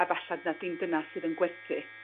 a falla na dim dyna sydd yn gwerthu